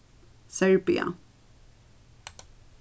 serbia